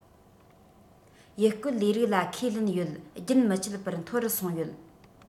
ཡུལ སྐོར ལས རིགས ལ ཁས ལེན ཡོད རྒྱུན མི ཆད པར མཐོ རུ སོང ཡོད